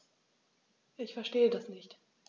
Ich verstehe das nicht.